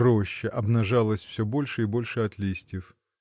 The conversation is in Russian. Роща обнажалась всё больше и больше от листьев.